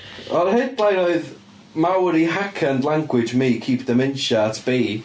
Yr headline oedd Māori Haka and language may keep dementia at bay.